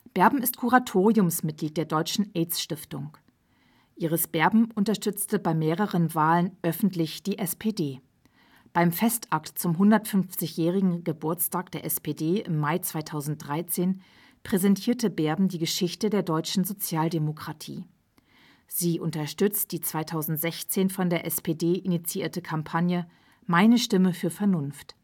Berben ist Kuratoriumsmitglied der Deutschen AIDS-Stiftung. Iris Berben unterstützte bei mehreren Wahlen öffentlich die SPD. Beim Festakt zum 150-jährigen Geburtstag der SPD im Mai 2013 präsentierte Berben die Geschichte der deutschen Sozialdemokratie. Sie unterstützt die 2016 von der SPD initiierte Kampagne „ Meine Stimme für Vernunft